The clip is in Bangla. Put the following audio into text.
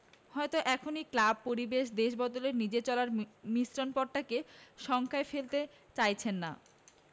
হয়তো এখনই ক্লাব পরিবেশ দেশ বদলে নিজের চলার মসৃণ পথটাকে শঙ্কায় ফেলতে চাইছেন না